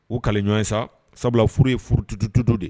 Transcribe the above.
U ka ɲɔgɔn ye sa sabula furu ye furutututo de